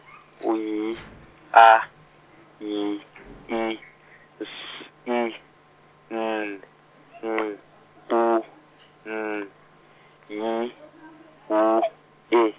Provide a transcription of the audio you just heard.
u Y A Y I S I N Q U N Y W E.